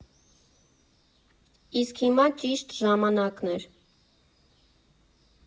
Իսկ հիմա՝ ճիշտ ժամանակն էր…